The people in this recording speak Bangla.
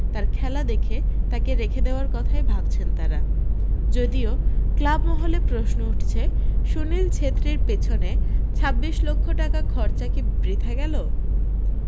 তার খেলা দেখে তাকে রেখে দেওয়ার কথাই ভাবছেন তারা যদিও ক্লাবমহলে প্রশ্ন উঠছে সুনীল ছেত্রীর পিছনে ছাব্বিশ লক্ষ টাকা খরচা কী বৃথা গেল